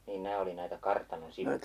niin nämä oli näitä kartanon sivutiloja